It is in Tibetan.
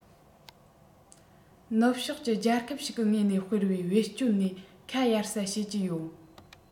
ནུབ ཕྱོགས ཀྱི རྒྱལ ཁབ ཞིག གི ངོས ནས སྤེལ བའི བེད སྤྱད ནས ཁ གཡར ས བྱེད ཀྱི ཡོད